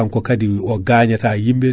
kanko kaadi o gañata yimɓe